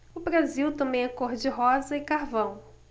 o brasil também é cor de rosa e carvão